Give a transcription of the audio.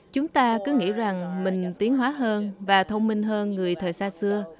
chúng ta cứ nghĩ rằng minh tiến hóa hơn và thông minh hơn người thời xa xưa